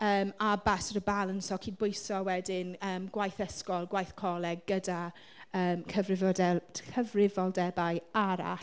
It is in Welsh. Yym a ba- sort of balansio, cydbwyso wedyn yym gwaith ysgol, gwaith coleg, gyda yym cyfrifydel- t- cyfrifoldebau arall.